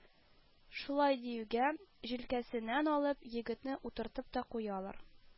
Шулай диюгә, җилкәсеннән алып, егетне утыртып та куялар